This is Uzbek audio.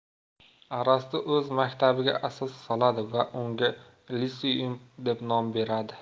arastu o'z maktabiga asos soladi va unga liseum deb nom beradi